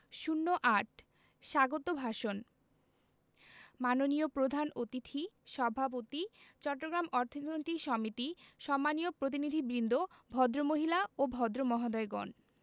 ০৮ স্বাগত ভাষণ মাননীয় প্রধান অতিথি সভাপতি চট্টগ্রাম অর্থনীতি সমিতি সম্মানীয় প্রতিনিধিবৃন্দ ভদ্রমহিলা ও ভদ্রমহোদয়গণ